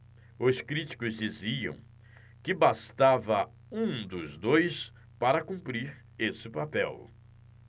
os críticos diziam que bastava um dos dois para cumprir esse papel